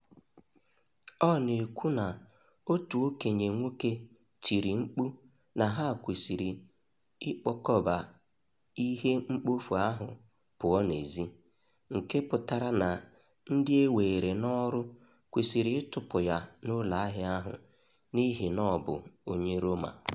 Ọ na-ekwu na otu okenye nwoke tiri mkpu na ha "kwesịrị ikpokọba ihe mkpofu ahụ pụọ n'ezi", nke pụtara na ndị e weere n'ọrụ kwesịrị ịtụpụ ya n'ụlọ ahịa ahụ, n'ihi na ọ bụ onye Roma.